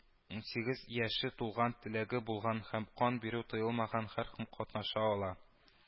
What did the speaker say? Унсигез яше тулган теләге булган һәм кан бирү тыелмаган һәркем катнаша ала